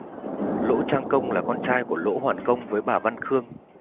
lỗ trang công là con trai của lỗ hoàn công với bà văn khương